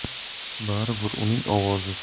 bari bir uning ovozi